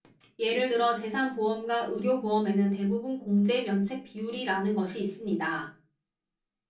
예를 들어 재산 보험과 의료 보험에는 대부분 공제 면책 비율이라는 것이 있습니다